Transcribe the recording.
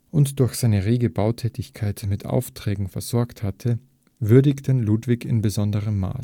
und durch seine rege Bautätigkeit mit Aufträgen versorgt hatte, würdigten Ludwig in besonderem Maß